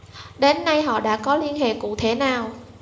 đến nay họ đã có liên hệ cụ thể nào